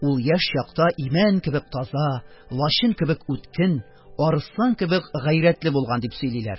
Ул яшь чакта имән кебек таза, лачын кебек үткен, арыслан кебек гайрәтле булган, дип сөйлиләр.